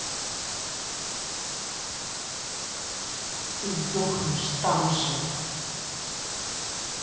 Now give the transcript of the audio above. и сдохнешь там же